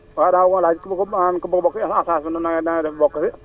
waaw dama koy laaj ku bëgg maanaam ku bëgg a bokk ci assurance bi nan nan ngay def ba bokk ci